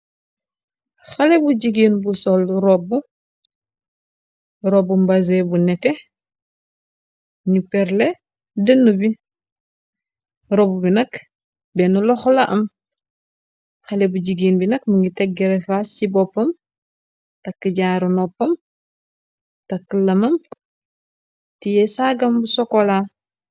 xale bu jigeen bu sol rob robbu mbase bu nete nu perle dennu bi rob bi nak benn loxola am xale bu jigeen bi nak mu ngi teggrefaas ci boppam takk jaaru noppam takk lamam tiya saagam bu sokolaa